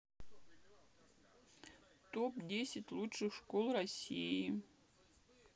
топ десять лучших школ россии